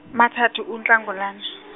mathathu uNhlangulane.